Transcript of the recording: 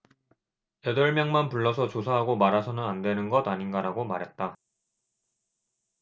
여덟 명만 불러서 조사하고 말아서는 안되는 것 아닌가라고 말했다